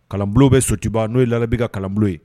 Kalan bɛ sotiba n'o ye labi ka kalan ye